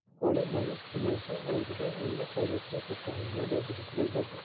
oliy majlis binosi oldida o'nlab haydovchilar to'planib norozilik bildirdi